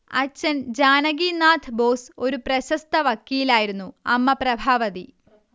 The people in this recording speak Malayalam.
അച്ഛൻ ജാനകിനാഥ് ബോസ് ഒരു പ്രശസ്ത വക്കീലായിരുന്നു അമ്മ പ്രഭാവതി